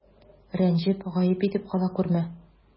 Рәнҗеп, гаеп итеп кала күрмә.